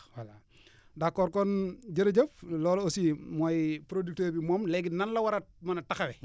voilà d' accord kon jërëjëf loolu aussi mooy producteur bi moom léegi nan la war a mën a taxawee